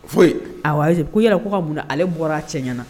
Foy, ko yala ko ka mun na ale bɔra cɛ ɲɛna